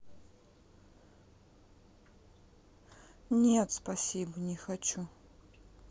нет спасибо не хочу